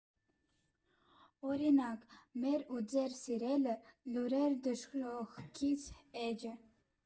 Օրինակ՝ մեր ու ձեր սիրելի «Լուրեր դժոխքից» էջը։